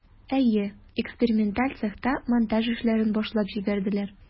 Әйе, эксперименталь цехта монтаж эшләрен башлап җибәрделәр.